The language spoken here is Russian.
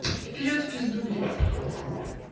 вперед в пизду блядь